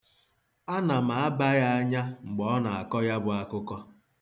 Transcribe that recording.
Ana m aba ya anya mgbe ọ na-akọ ya bụ akụkọ.